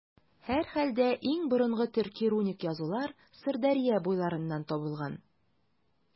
Һәрхәлдә, иң борынгы төрки руник язулар Сырдәрья буйларыннан табылган.